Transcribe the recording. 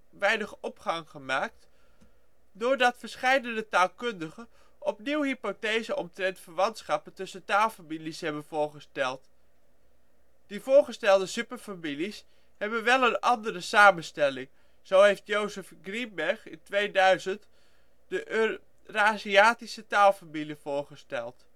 weinig opgang gemaakt, doordat verscheide taalkundigen opnieuw hypothesen omtrent verwantschappen tussen taalfamilies hebben voorgesteld. Die voorgestelde superfamilies hebben wel een andere samenstelling. Zo heeft Joseph Greenberg (2000) de Euraziatische taalfamilie voorgesteld